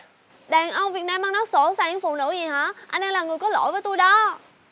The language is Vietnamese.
đàn ông việt nam ăn nói sỗ sàng với phụ nữ vậy hả anh đang là người có lỗi với tôi đó